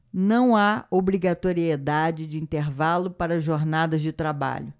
não há obrigatoriedade de intervalo para jornadas de trabalho